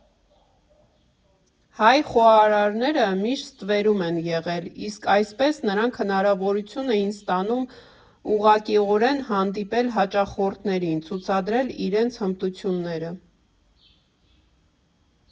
Հայ խոհարարները միշտ ստվերում են եղել, իսկ այսպես նրանք հնարավորություն էին ստանում ուղղակիորեն հանդիպել հաճախորդներին, ցուցադրել իրենց հմտությունները։